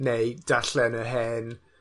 neu darllen yr hen